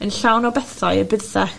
yn llawn o bethau y bysach